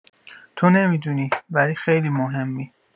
تو نمی‌دونی، ولی خیلی مهمی.